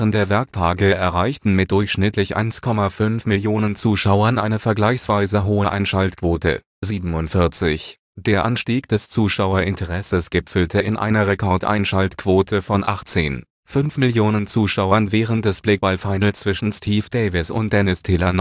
der Werktage erreichten mit durchschnittlich 1,5 Millionen Zuschauern eine vergleichsweise hohe Einschaltquote. Der Anstieg des Zuschauerinteresses gipfelte in einer Rekord-Einschaltquote von 18,5 Millionen Zuschauern während des Black ball final zwischen Steve Davis und Dennis Taylor 1985